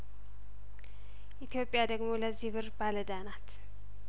ኢትዮጵያ ደግሞ ለዚህ ብር ባለ እዳ ናት